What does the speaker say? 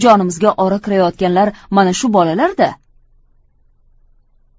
jonimizga ora kirayotganlar mana shu bolalarda